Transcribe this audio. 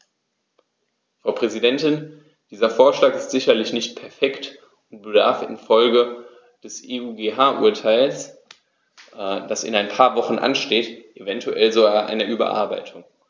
Frau Präsidentin, dieser Vorschlag ist sicherlich nicht perfekt und bedarf in Folge des EuGH-Urteils, das in ein paar Wochen ansteht, eventuell sogar einer Überarbeitung.